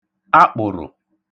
akpụ̀rụ̀